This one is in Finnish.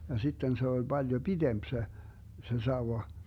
ja sitten se oli paljon pidempi se se sauva